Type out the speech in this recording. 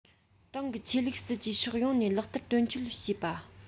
ཏང གི ཆོས ལུགས སྲིད ཇུས ཕྱོགས ཡོངས ནས ལག བསྟར དོན འཁྱོལ བྱེད པ